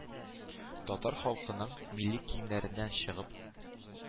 Татар халкының милли киемнәреннән чыгып,